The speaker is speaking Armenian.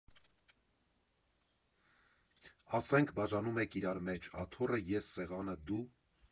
Ասենք, բաժանում եք իրար մեջ՝ աթոռը ես, սեղանը՝ դո՞ւ…